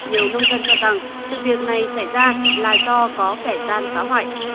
nhiều nông dân cho rằng sự việc này xảy ra là do có kẻ gian phá hoại